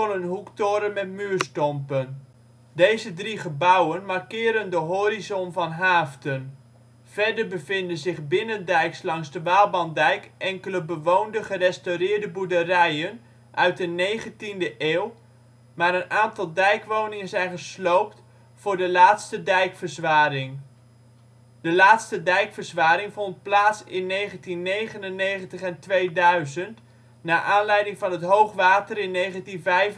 hoektoren met muurstompen. Deze drie gebouwen markeren de horizon van Haaften. Verder bevinden zich binnendijks langs de Waalbandijk enkele bewoonde gerestaureerde boerderijen uit de 19e eeuw, maar een aantal dijkwoningen zijn gesloopt voor de laatste dijkverzwaring. De laatste dijkverzwaring vond plaats in 1999 en 2000 naar aanleiding van het hoogwater in 1995